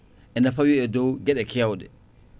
ene faawi e dow gueɗe kewɗe